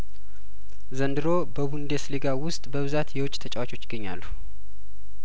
ዘንድሮ በቡንደስሊጋው ውስጥ በብዛት የውጪ ተጫዋቾች ይገኛሉ